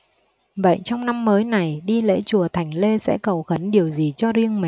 vậy trong năm mới này đi lễ chùa thành lê sẽ cầu khấn điều gì cho riêng mình